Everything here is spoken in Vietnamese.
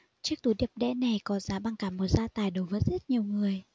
chiếc túi đẹp đẽ này có giá bằng cả một gia tài đối với rất nhiều người